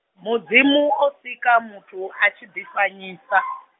Mudzimu o sika muthu a tshi ḓi fanyisa.